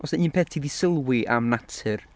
Oes 'na un peth ti 'di sylwi am natur?